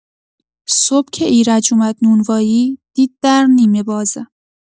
صبح که ایرج اومد نونوایی، دید در نیمه‌بازه.